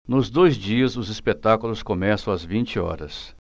nos dois dias os espetáculos começam às vinte horas